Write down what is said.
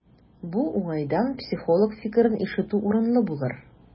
Бу уңайдан психолог фикерен ишетү урынлы булыр.